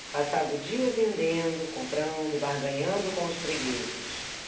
passava o dia vendendo comprando barganhando com os fregueses